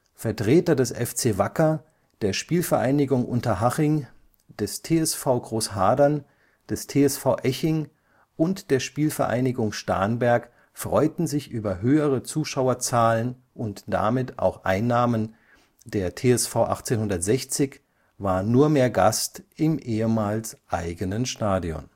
Vertreter des FC Wacker, der SpVgg Unterhaching, des TSV Großhadern, des TSV Eching und der SpVgg Starnberg freuten sich über höhere Zuschauerzahlen und damit auch Einnahmen, der TSV 1860 war nur mehr Gast im ehemals eigenen Stadion